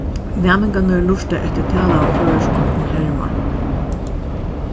næmingarnir lurta eftir talaðum føroyskum og herma